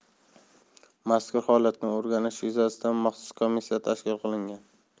mazkur holatni o'rganish yuzasidan maxsus komissiya tashkil qilingan